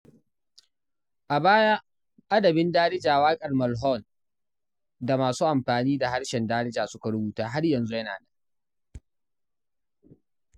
A baya, adabin Darija, waƙar Malhoun da masu amfani da harshen Darija suka rubuta har yanzu yana nan.